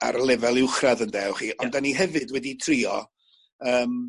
ar y lefel uwchradd ynde wch chi ond 'dan ni hefyd wedi trio yym